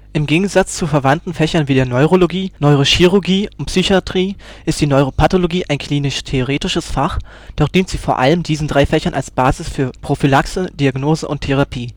Im Gegensatz zu verwandten Fächern wie der Neurologie, Neurochirurgie und Psychiatrie ist die Neuropathologie ein klinisch-theoretisches Fach, doch dient sie vor allem diesen drei Fächern als Basis für Prophylaxe, Diagnose und Therapie